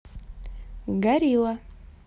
горилла